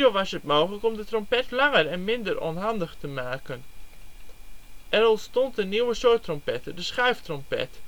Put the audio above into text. was het mogelijk om de trompet langer en minder onhandig te maken. Ook ontstond een nieuwe soort trompetten: de schuiftrompet